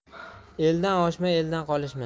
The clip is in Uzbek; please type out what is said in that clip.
eldan oshma eldan qolishma